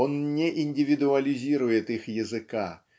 Он не индивидуализирует их языка